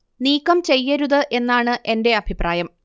നീക്കം ചെയ്യരുത് എന്നതാണ് എന്റെ അഭിപ്രായം